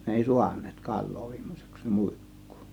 ne ei saaneet kalaa viime syksynä muikkua